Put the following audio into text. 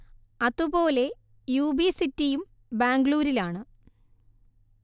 അതു പോലെ U B സിറ്റിയും ബാംഗ്ലൂരിലാണ്